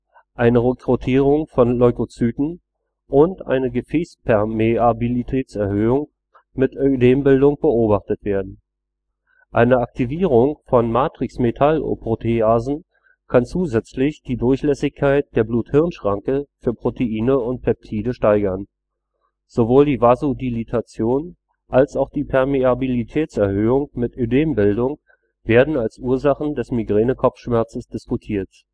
eine Rekrutierung von Leukozyten und eine Gefäßpermeabilitätserhöhung mit Ödembildung beobachtet werden. Eine Aktivierung von Matrixmetalloproteasen kann zusätzlich die Durchlässigkeit der Blut-Hirn-Schranke für Proteine und Peptide steigern. Sowohl die Vasodilatation als auch die Permeabilitätserhöhung mit Ödembildung werden als Ursachen des Migränekopfschmerzes diskutiert